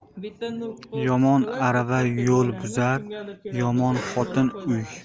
yomon arava yo'l buzar yomon xotin uy